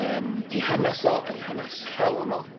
yym 'i hanas o a'i hanas llawn o